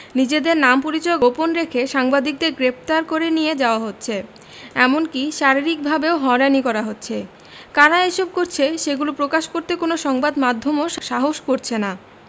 নিজেদের নাম পরিচয় গোপন রেখে সাংবাদিকদের গ্রেপ্তার করে নিয়ে যাওয়া হচ্ছে এমনকি শারীরিকভাবেও হয়রানি করা হচ্ছে কারা এসব করছে সেগুলো প্রকাশ করতে কোনো সংবাদ মাধ্যমও সাহস করছে না